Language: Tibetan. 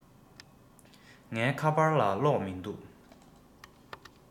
ངའི ཁ པར ལ གློག མིན འདུག